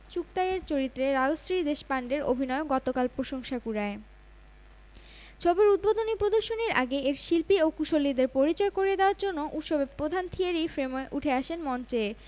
আজ এই বিশেষ দিনে তিনি আমার সঙ্গে আছেন এর চেয়ে বড় অর্জন আর হতে পারে না নওয়াজ তার অনুভূতির কথা জানাতে গিয়ে বলেন কান উৎসব শুধু ছবিই নয় আমাদের উপমহাদেশের সাহিত্যের প্রাচুর্যও দেখতে পেল